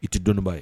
I tɛ dɔnniba ye